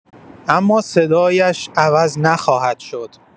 اما صدایش عوض نخواهد شد.